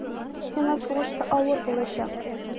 Сиңа сугышта авыр булачак.